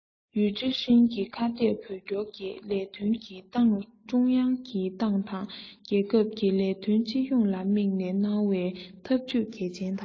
ཡུས ཀྲེང ཧྲེང གིས ཁ གཏད བོད སྐྱོར གྱི ལས དོན ནི ཏང ཀྲུང དབྱང གིས ཏང དང རྒྱལ ཁབ ཀྱི ལས དོན སྤྱི ཡོངས ལ དམིགས ནས གནང བའི འཐབ ཇུས གལ ཆེན དང